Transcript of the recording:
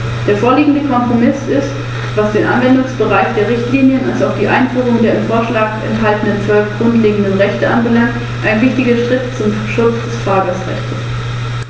Der Rat hätte sich um einen gemeinsamen Standpunkt bemühen müssen, und vielleicht hätte er sich, unter Berücksichtigung der Anzahl der Anmeldungen und der am meisten benutzten Sprache, mehr für die Verwendung einer Sprache einsetzen müssen, damit wir auf den globalen Märkten konkurrenzfähiger werden.